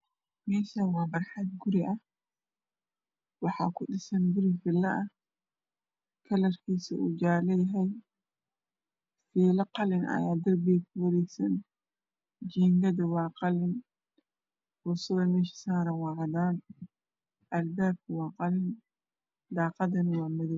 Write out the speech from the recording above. Meshaan waa baraxad waxaa ku dhusan guri Fila ah kalarkiso uu jala yahay pinan qalin ayaa darpiga ku dhagsan jiingada waa qalin fustada meesha saran waa cadaan alpaapka waa qalin daqada waa madow